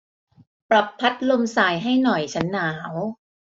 ปรับพัดลมส่ายให้หน่อยฉันหนาว